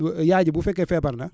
yaay ji bu fekkee feebar na